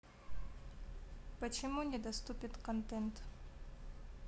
почему недоступен контент